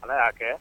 Ala y'a kɛ